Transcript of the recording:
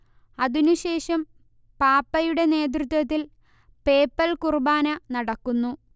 അതിനുശേഷം പാപ്പയുടെ നേതൃത്വത്തിൽ പേപ്പൽ കുർബാന നടക്കുന്നു